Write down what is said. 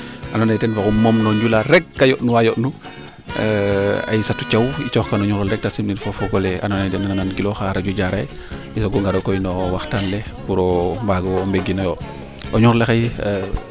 ando naye ten fa xooxum no njula rek a yond nuwa yond nu Aissatou Thiaw i coox kan o ñuxrole rek te simnir fo fogole ando naye dena nan gilooxa radio Diarekh i soogo ngaroyo koy no waxtaan le pour mbaago mbeginoyo o ñuxrole xay